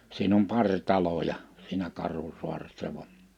siinä on pari taloja siinä Karhusaaressa vain